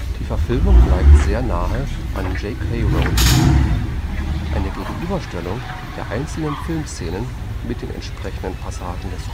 Die Verfilmung bleibt sehr nahe an J. K. Rowlings Buch. Eine Gegenüberstellung der einzelnen Filmszenen mit den entsprechenden Passagen des